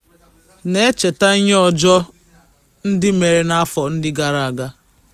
Na-echeta ihe ọjọọ ndị mere n'afọ ndị gara aga